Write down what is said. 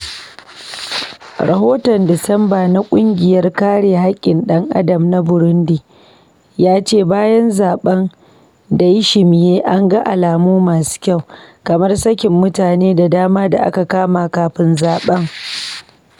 Rahoton Disamba na Ƙungiyar Kare Haƙƙin Dan-Adam ta Burundi ya ce bayan zaɓen Ndayishimye, an ga alamu masu kyau, kamar sakin mutane da dama da aka kama kafin zaɓen.